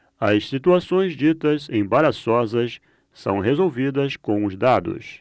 as situações ditas embaraçosas são resolvidas com os dados